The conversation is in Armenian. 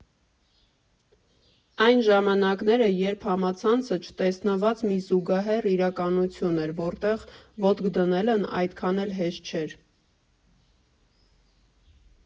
Այն ժամանակները, երբ համացանցը չտեսնված մի զուգահեռ իրականություն էր, որտեղ ոտք դնելն այդքան էլ հեշտ չէր։